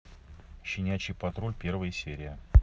щенячий патруль первая серия